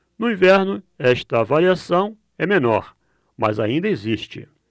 no inverno esta variação é menor mas ainda existe